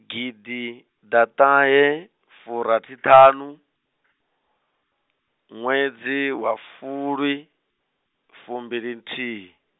gidiḓaṱahefurathiṱhanu, ṅwedzi wa fulwi, fumbilinthihi.